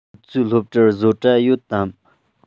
ཁྱོད ཚོའི སློབ གྲྭར བཟོ གྲྭ ཡོད དམ